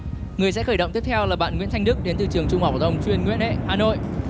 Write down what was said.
người sẽ khởi động tiếp theo là bạn nguyễn thành đức đến từ trường trung học phổ thông chuyên nguyễn huệ hà nội